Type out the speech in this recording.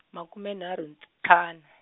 makume nharhu ntlhan-.